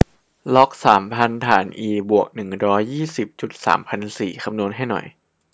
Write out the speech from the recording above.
ล็อกสามพันฐานอีบวกหนึ่งร้อยยี่สิบจุดสามพันสี่คำนวณให้หน่อย